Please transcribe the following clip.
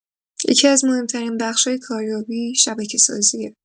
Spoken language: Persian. یکی‌از مهم‌ترین بخش‌های کاریابی، شبکه‌سازیه.